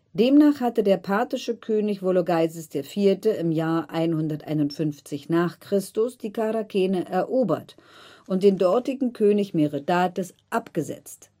Demnach hatte der parthische König Vologaeses IV. im Jahr 151 n. Chr. die Charakene erobert und den dortigen König Meredates abgesetzt